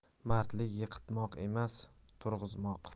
mardlik yiqitmoq emas turg'izmoq